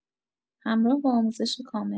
همراه با آموزش کامل